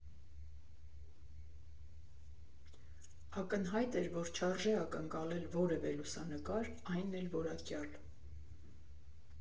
Ակնհայտ էր, որ չարժե ակնկալել որևէ լուսանկար, այն էլ՝ որակյալ։